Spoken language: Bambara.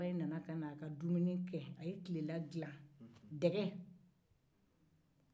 musokɔrɔba in ye dɛgɛ dila